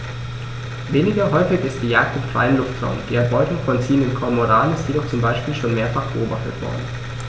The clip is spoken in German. Weniger häufig ist die Jagd im freien Luftraum; die Erbeutung von ziehenden Kormoranen ist jedoch zum Beispiel schon mehrfach beobachtet worden.